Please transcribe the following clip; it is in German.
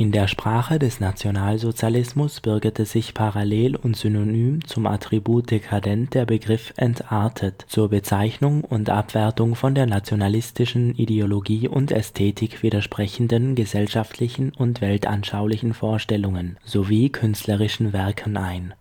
der Sprache des Nationalsozialismus bürgerte sich parallel und synonym zum Attribut " dekadent " der Begriff " entartet " zur Bezeichnung und Abwertung von der nationalsozialistischen Ideologie und Ästhetik widersprechenden gesellschaftlichen und weltanschaulichen Vorstellungen sowie künstlerischen Werken ein